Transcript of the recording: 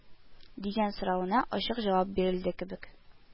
» дигән соравына ачык җавап бирелде кебек